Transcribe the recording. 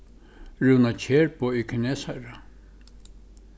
rúna kjærbo er kinesari